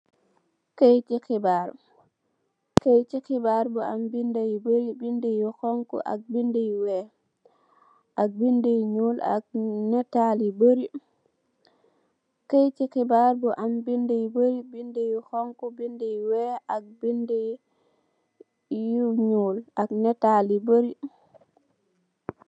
Keyeti xibarr yu am binduh yu barri binduh yu xhong khu ak binduh yu wekh ak binduh yu nyull ak netal yu barri